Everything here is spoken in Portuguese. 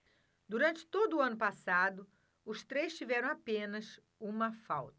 durante todo o ano passado os três tiveram apenas uma falta